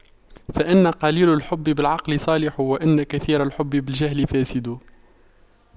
فإن قليل الحب بالعقل صالح وإن كثير الحب بالجهل فاسد